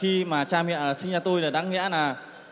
khi mà cha mẹ sinh ra tôi là đáng lẽ là